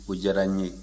o diyara ne ye